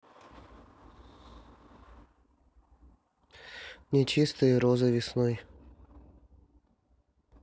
нечистые розы весной